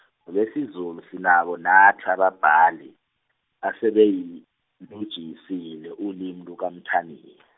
iwesiZulu sinabo nathi ababhali asebelujiyisile ulimi lukaMthaniya.